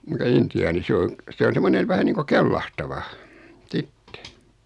mutta intiaani se on se on semmoinen vähän niin kuin kellahtava sitten